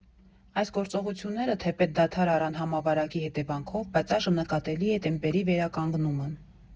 Այս գործողությունները թեպետ դադար առան համավարակի հետևանքով, բայց այժմ նկատելի է տեմպերի վերականգնումը։